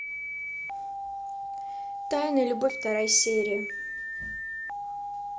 тайная любовь вторая серия